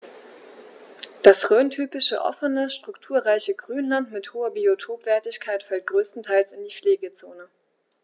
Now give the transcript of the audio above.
Das rhöntypische offene, strukturreiche Grünland mit hoher Biotopwertigkeit fällt größtenteils in die Pflegezone.